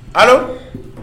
A